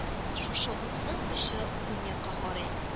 Шушы укның очы көнъякка карый